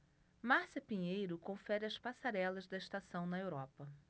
márcia pinheiro confere as passarelas da estação na europa